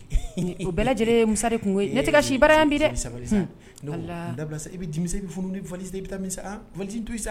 O Bɛɛ lajɛlen ye musa de kungo ye. Ne te ka si baara yan bi dɛ. Sabali sa, ni dabila sa. Un Ala. i bɛ dimi sa, e bɛ fani valise e bɛ taa min? An, valise to yen sa.